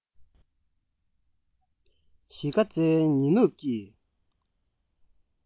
གཞིས ཀ རྩེའི ཉི ནུབ ཀྱི